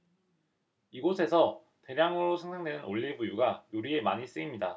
이곳에서 대량으로 생산되는 올리브유가 요리에 많이 쓰입니다